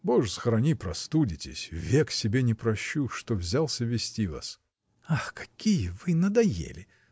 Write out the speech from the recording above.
— Боже сохрани, простудитесь: век себе не прощу, что взялся везти вас. — Ах, какие вы — надоели!